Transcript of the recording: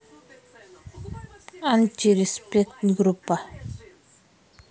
антиреспект группа